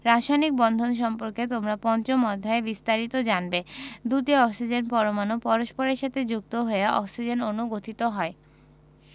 রাসায়নিক বন্ধন সম্পর্কে তোমরা পঞ্চম অধ্যায়ে বিস্তারিত জানবে দুটি অক্সিজেন পরমাণু পরস্পরের সাথে যুক্ত হয়ে অক্সিজেন অণু গঠিত হয়